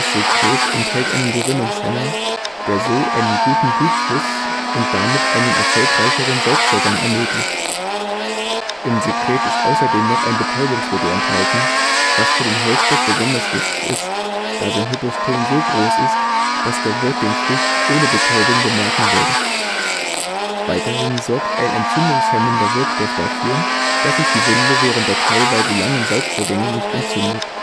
Sekret enthält einen Gerinnungshemmer, der so einen guten Blutfluss und damit einen erfolgreicheren Saugvorgang ermöglicht. Im Sekret ist außerdem noch ein Betäubungsmittel enthalten, was für den Holzbock besonders wichtig ist, da sein Hypostom so groß ist, dass der Wirt den Stich ohne Betäubung bemerken würde. Weiterhin sorgt ein entzündungshemmender Wirkstoff dafür, dass sich die Wunde während der teilweise langen Saugvorgänge nicht entzündet